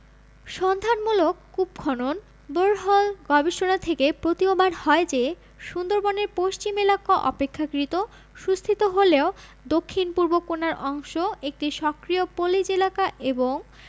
সন্ধানমূলক কূপ খনন বোরহল গবেষণা থেকে প্রতীয়মান হয় যে সুন্দরবনের পশ্চিম এলাকা অপেক্ষাকৃত সুস্থিত হলেও দক্ষিণ পূর্ব কোণার অংশ একটি সক্রিয় পলিজ এলাকা এবং